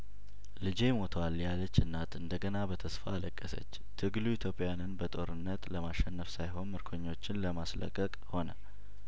ልጄ ሞቷል ያለች እናት እንደገና በተስፋ አለቀሰች ትግሉ ኢትዮጵያንን በጦርነት ለማሸነፍ ሳይሆን ምርኮኞችን ለማስለቀቅ ሆነ